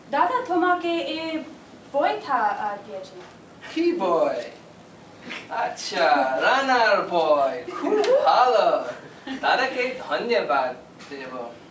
দাদা তোমাকে এই বইটা দিয়েছেন কি বই আচ্ছা রান্নার বই খুব ভালো দাদাকে ধন্যবাদ দিও